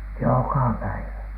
joka päivä